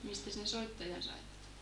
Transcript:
mistäs ne soittajan saivat